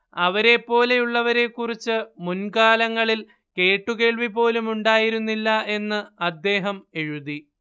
അവരെപ്പോലെയുള്ളവരെക്കുറിച്ച് മുൻകാലങ്ങളിൽ കേട്ടുകേൾവി പോലും ഉണ്ടായിരുന്നില്ല എന്ന് അദ്ദേഹം എഴുതി